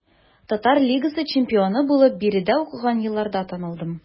Татар лигасы чемпионы булып биредә укыган елларда танылдым.